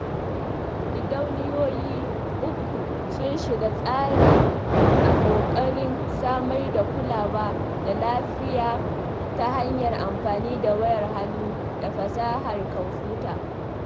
Gidauniyoyi uku sun shiga tsarin a ƙoƙarin samar da kulawa da lafiya ta hanyar amfani da wayar hannu da fasahar kwamfuta.